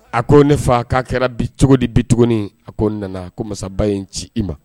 A ko ne fa k'a kɛra bi cogo di bi tuguni? A ko n nana ko masa ba ye n ci i ma.